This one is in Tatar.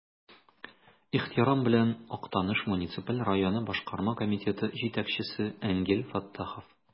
Ихтирам белән, Актаныш муниципаль районы Башкарма комитеты җитәкчесе Энгель Фәттахов.